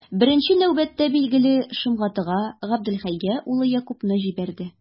Беренче нәүбәттә, билгеле, Шомгатыга, Габделхәйгә улы Якубны җибәрде.